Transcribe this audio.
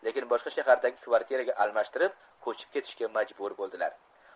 lekin boshqa shahardagi kvartiraga almashtirib ko'chib ketishga majbur bo'ldilar